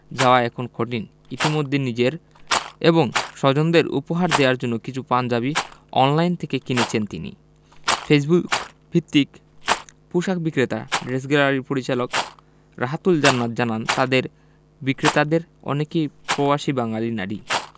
যাওয়া এখন কঠিন ইতিমধ্যে নিজের এবং স্বজনদের উপহার দেওয়ার জন্য কিছু পাঞ্জাবি অনলাইন থেকে কিনেছেন তিনি ফেসবুকভিত্তিক পোশাক বিক্রেতা ড্রেস গ্যালারির পরিচালক রাহাতুল জান্নাত জানান তাঁদের বিক্রেতাদের অনেকেই পবাসী বাঙালি নারী